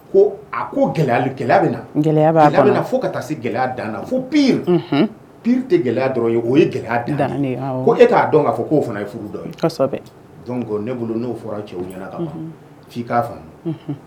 Ko a ko gɛlɛyali gɛlɛya bɛ gɛlɛya fo ka taa se gɛlɛya dan fo p pri tɛ gɛlɛya dɔrɔn ye o ye gɛlɛya di ko e t'a dɔn k' fɔ'o fana ye furu dɔn ye ne bolo n'o fɔra cɛ ɲɛna ka ci k'a